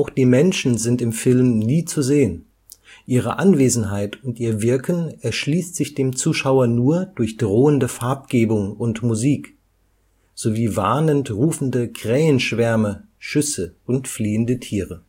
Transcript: die Menschen sind im Film nie zu sehen, ihre Anwesenheit und ihr Wirken erschließt sich dem Zuschauer nur durch drohende Farbgebung und Musik sowie warnend rufende Krähenschwärme, Schüsse und fliehende Tiere